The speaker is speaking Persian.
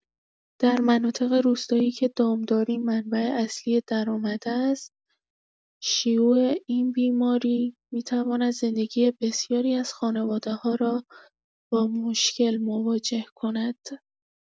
در مناطق روستایی که دامداری منبع اصلی درآمد است، شیوع این بیماری می‌تواند زندگی بسیاری از خانواده‌ها را با مشکل مواجه کند.